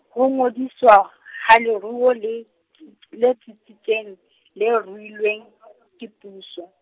ho ngodiswa, ha leruo le , le tsitsitseng, le ruilweng , ke puso.